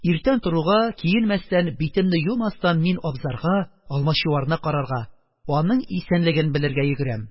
Иртән торуга, киенмәстән, битемне юмастан, мин абзарга, Алмачуарны карарга, аның исәнлеген белергә йөгерәм.